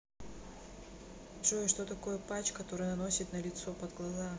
джой что такое патч который наносит налицо под глаза